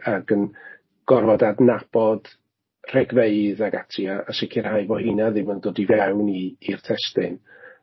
Ac yn gorfod adnabod rhegfeydd ac ati, a sicrhau bod heina ddim yn dod i fewn i i'r testun.